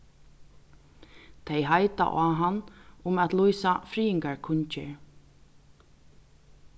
tey heita á hann um at lýsa friðingarkunngerð